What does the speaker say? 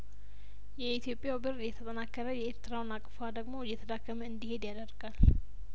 የኢትዮጵያው ብር እየተጠናከረ የኤርትራው ናቅፋ ደግሞ እየተዳከመ እንዲሄድ ያደርጋል